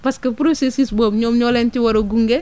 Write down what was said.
parce que processus boobu ñomm ñoo leen ci war a gunge